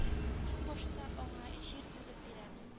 Иң башта аңа җир бүлеп бирербез